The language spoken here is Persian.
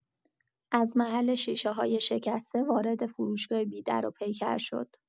از محل شیشه‌های شکسته وارد فروشگاه بی‌دروپیکر شد.